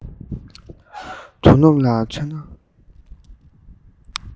དོ ནུབ ལ མཚོན ན